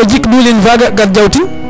o jik diwliin faaga gar jawtin.